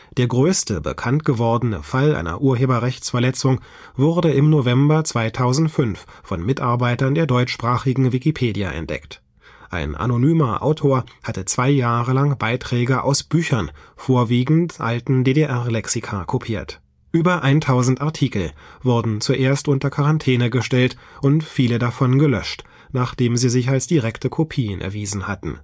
Der größte bekannt gewordene Fall einer Urheberrechtsverletzung wurde im November 2005 von Mitarbeitern der deutschsprachigen Wikipedia entdeckt. Ein anonymer Autor hatte zwei Jahre lang Beiträge aus Büchern, vorwiegend alten DDR-Lexika, kopiert. Über 1000 Artikel wurden zuerst unter Quarantäne gestellt und viele davon gelöscht, nachdem sie sich als direkte Kopien erwiesen hatten